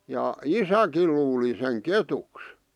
ja isäkin luuli sen ketuksi